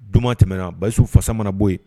Duman tɛmɛna, bayisu fasa mana bon yen